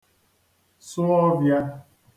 sụ ọvịa